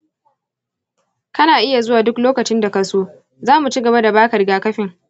kana iya zuwa duk lokacin da ka so; za mu ci gaba da ba ka rigakafin.